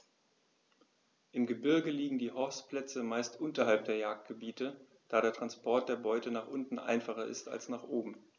Im Gebirge liegen die Horstplätze meist unterhalb der Jagdgebiete, da der Transport der Beute nach unten einfacher ist als nach oben.